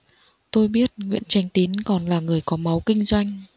tôi biết nguyễn chánh tín còn là người có máu kinh doanh